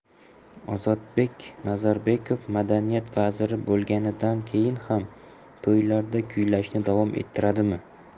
ozodbek nazarbekov madaniyat vaziri bo'lganidan keyin ham to'ylarda kuylashni davom ettiradimi